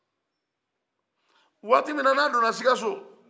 waati mi na ni a donna sikasso